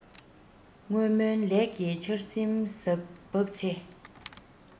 སྔོན སྨོན ལས ཀྱི ཆར ཟིམ བབས ཚེ